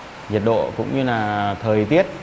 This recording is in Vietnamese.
nhiệt độ cũng như là thời tiết